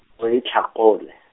o iTlhakole.